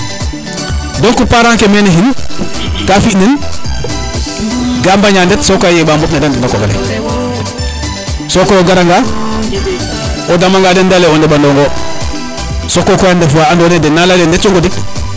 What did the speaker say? donc parent ke mene xin ka fi nen ga mbaña ndet sokoy a yeɓa mboɓ ne de ndet na koɓale sokoy o gara nga o dama nga den de leye o ndeɓanongo sokokoy a ndef wa ando naye den na leya dene ndet yo ngodik